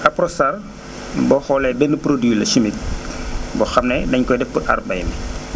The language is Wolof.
Apronstar boo xoolee benn produit la chimique boo xam ne dañ koy def pour aar mbay mi